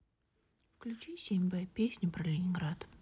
включи семь б песню про ленинград